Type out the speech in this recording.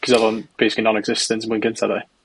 'C'os odd o'n basically non exitant ym mlwyddyn gynta 'de.